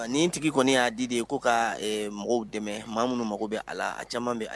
Ni n tigi kɔni y'a di de ye ko ka mɔgɔw dɛmɛ ma minnu mago bɛ ala la a caman bɛ a